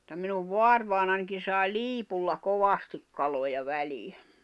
mutta minun vaarivainajanikin sai liipulla kovasti kaloja väliin